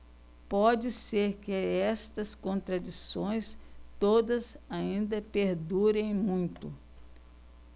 pode ser que estas contradições todas ainda perdurem muito